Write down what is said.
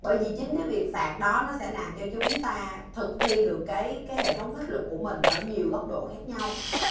bởi vì chính cái việc phạt đó nó sẽ làm cho chúng ta thực thi được cái cái hệ thống pháp luật của mình ở nhiều góc độ khác nhau